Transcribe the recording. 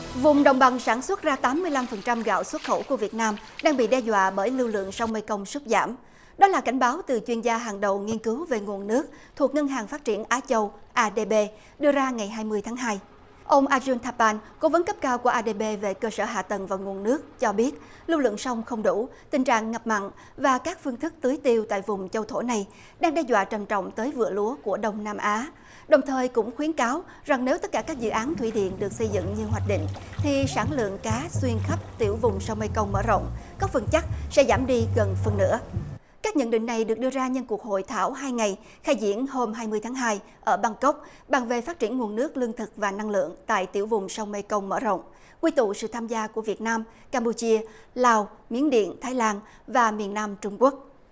vùng đồng bằng sản xuất ra tám mươi lăm phần trăm gạo xuất khẩu của việt nam đang bị đe dọa bởi lưu lượng sông mê công sút giảm đó là cảnh báo từ chuyên gia hàng đầu nghiên cứu về nguồn nước thuộc ngân hàng phát triển á châu a đê bê đưa ra ngày hai mươi tháng hai ông a dun tha pan cố vấn cấp cao của a đê bê về cơ sở hạ tầng và nguồn nước cho biết lưu lượng sông không đủ tình trạng ngập mặn và các phương thức tưới tiêu tại vùng châu thổ này đang đe dọa trầm trọng tới vựa lúa của đông nam á đồng thời cũng khuyến cáo rằng nếu tất cả các dự án thủy điện được xây dựng như hoạch định thì sản lượng cá xuyên khắp tiểu vùng sông mê công mở rộng các vững chắc sẽ giảm đi gần phân nửa các nhận định này được đưa ra nhân cuộc hội thảo hai ngày khai diễn hôm hai mươi tháng hai ở băng cốc bàn về phát triển nguồn nước lương thực và năng lượng tại tiểu vùng sông mê công mở rộng quy tụ sự tham gia của việt nam cam pu chia lào miến điện thái lan và miền nam trung quốc